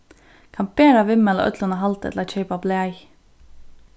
kann bara viðmæla øllum at halda ella keypa blaðið